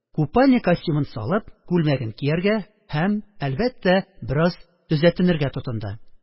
Купальный костюмын салып, күлмәген кияргә һәм, әлбәттә, бераз төзәтенергә тотынды.